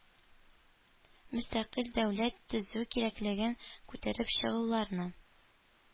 Мөстәкыйль дәүләт төзү кирәклеген күтәреп чыгучыларны